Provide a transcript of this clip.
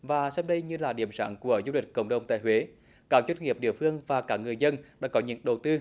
và xem đây như là điểm sáng của du lịch cộng đồng tại huế cả doanh nghiệp địa phương và cả người dân đã có những đầu tư